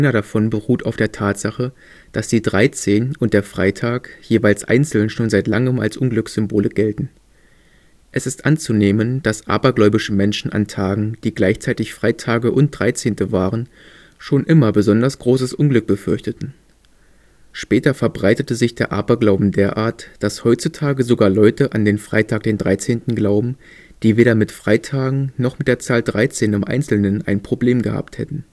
davon beruht auf der Tatsache, dass die Dreizehn und der Freitag jeweils einzeln schon seit langem als Unglückssymbole gelten. Es ist anzunehmen, dass abergläubische Menschen an Tagen, die gleichzeitig Freitage und Dreizehnte waren, schon immer besonders großes Unglück befürchteten. Später verbreitete sich der Aberglauben derart, dass heutzutage sogar Leute an den Freitag den 13. glauben, die weder mit Freitagen noch mit der Zahl Dreizehn im Einzelnen ein Problem gehabt hätten